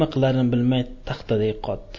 nima qilarini bilmay taxtaday kotdi